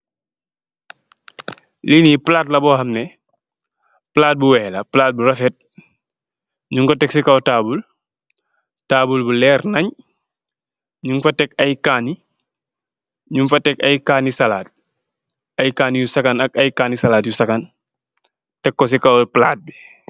Lii nii palaat Bo xam ne, palaat bu weex la. Palaat bu rafet, ñung ko tek si kow taabul, taabul bu leer nañge. Ñung fa tek ay kaani, nuñg fa tek, ay kaani salaat. Ay kaani yu sakkan ak ay kanni salaat yu sakkan, tek ko si kow palaat bi.